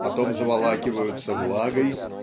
потом заволакиваются влагой